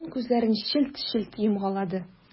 Япон күзләрен челт-челт йомгалады.